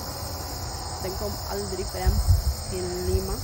Den kom aldri frem til Lima.